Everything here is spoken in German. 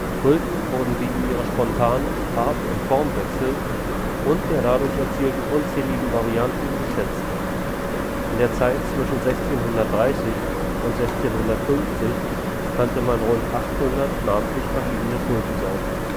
Tulpen wurden wegen ihrer spontanen Farb - und Formwechsel und der dadurch erzielten unzähligen Varianten geschätzt. In der Zeit zwischen 1630 und 1650 kannte man rund 800 namentlich unterschiedene Tulpensorten